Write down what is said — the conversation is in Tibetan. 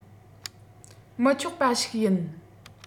མི ཆོག པ ཞིག ཡིན